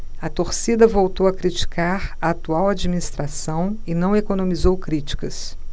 a torcida voltou a criticar a atual administração e não economizou críticas